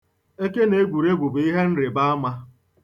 Ekenegwuregwu bụ ihe nrị̀bàamā.